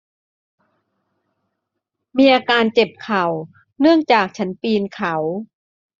มีอาการเจ็บเข่าเนื่องจากฉันปืนเขา